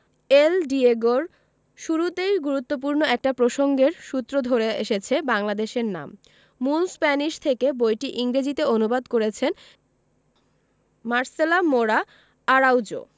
এল Diego র শুরুতেই গুরুত্বপূর্ণ একটা প্রসঙ্গের সূত্র ধরে এসেছে বাংলাদেশের নাম মূল স্প্যানিশ থেকে বইটি ইংরেজিতে অনু্বাদ করেছেন মার্সেলা মোরা আরাউজো